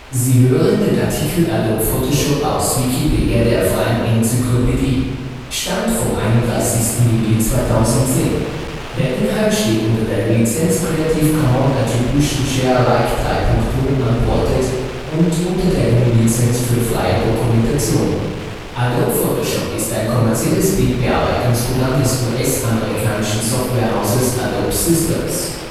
Sie hören den Artikel Adobe Photoshop, aus Wikipedia, der freien Enzyklopädie. Mit dem Stand vom Der Inhalt steht unter der Lizenz Creative Commons Attribution Share Alike 3 Punkt 0 Unported und unter der GNU Lizenz für freie Dokumentation. Adobe Photoshop 250px Photoshop CS5 Extended (Windows-Vista-32-Bit-Version) Basisdaten Entwickler Adobe Systems Aktuelle Version CS5 und CS5 Extended (12.0.1) (30. Juni 2010) Betriebssystem Mac OS X, Windows (frühere Versionen u. a. auch IRIX) Programmiersprache C++ Kategorie Bildbearbeitungsprogramm Lizenz proprietär deutschsprachig ja Adobe Photoshop Adobe Photoshop [əˌdoʊbi ˈfəʊtəʊʃɒp] ist ein kommerzielles Bildbearbeitungsprogramm des US-amerikanischen Softwarehauses Adobe Systems